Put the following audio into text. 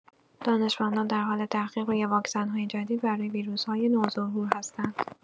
دانشمندان در حال تحقیق روی واکسن‌های جدید برای ویروس‌های نوظهور هستند.